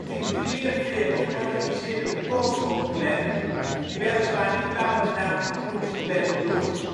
In 1943 organiseerde de Colescott-Klan (die weliswaar niet langer de naam Ku Klux Klan droeg